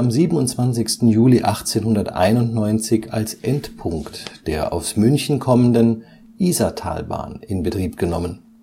27. Juli 1891 als Endpunkt der aus München kommenden Isartalbahn in Betrieb genommen